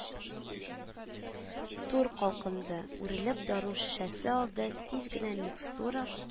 Тур калкынды, үрелеп дару шешәсе алды, тиз генә микстура